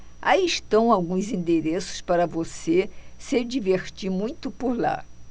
aí estão alguns endereços para você se divertir muito por lá